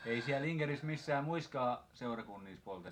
ei siellä Inkerissä missään muissakaan seurakunnissa poltettu